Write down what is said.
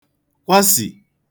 kwasì